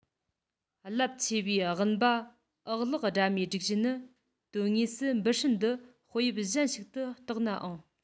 རླབས ཆེ བའི ཝུན སྦ ཨག ལགས སྦྲང མའི སྒྲིག གཞི ནི དོན དངོས སུ འབུ སྲིན འདི དཔེ དབྱིབས གཞན ཞིག ཏུ གཏོགས ནའང